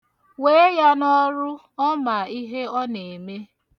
Wee ya n'ọrụ, ọ ma ihe ọ na-eme.